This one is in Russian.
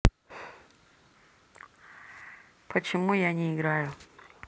почему я не играю